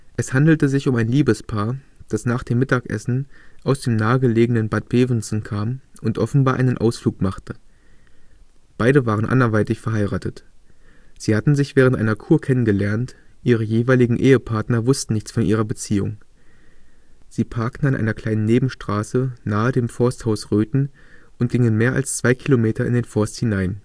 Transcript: Es handelte sich um ein Liebespaar, das nach dem Mittagessen aus dem nahegelegenen Bad Bevensen kam und offenbar einen Ausflug machte. Beide waren anderweitig verheiratet. Sie hatten sich während einer Kur kennengelernt, ihre jeweiligen Ehepartner wussten nichts von ihrer Beziehung. Sie parkten an einer kleinen Nebenstraße nahe dem Forsthaus Röthen und gingen mehr als zwei Kilometer in den Forst hinein